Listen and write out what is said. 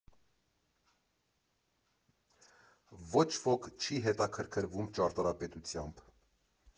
Ոչ ոք չի հետաքրքվում ճարտարապետությամբ։